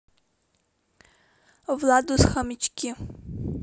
владус хомячки